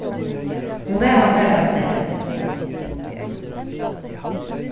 hon bað hann fara avstað